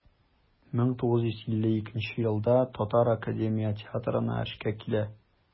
1952 елда татар академия театрына эшкә килә.